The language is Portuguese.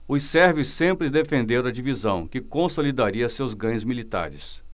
os sérvios sempre defenderam a divisão que consolidaria seus ganhos militares